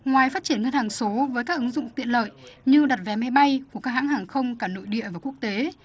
ngoài phát triển ngân hàng số với các ứng dụng tiện lợi như đặt vé máy bay của các hãng hàng không cả nội địa và quốc tế